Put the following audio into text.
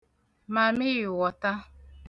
màmịịwọ̀ta